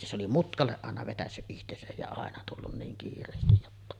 se oli mutkalle aina vetäissyt itsensä ja aina tullut niin kiireesti jotta